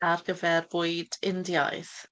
Ar gyfer bwyd Indiaidd.